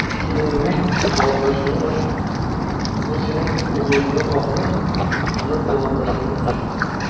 Киленеңнең ялангачлыгын ачма: ул - синең углыңның хатыны, аның ялангачлыгын ачма.